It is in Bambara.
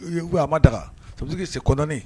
I ye mun kɛ , a ma daga sa veut dire que c'est condamné